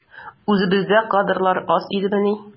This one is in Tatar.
Үзебездә кадрлар аз идемени?